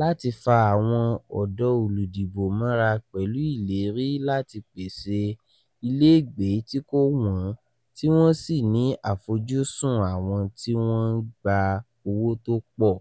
láti fa àwọn ọ̀dọ́ olùdìbò mọ́ra pẹ̀lú ìlérí láti pèsè ilégbèé tí kò wọ́n tí wọ́n sì ní àfojúsun àwọn tí wọ́n ń gba owó tó pọ̀.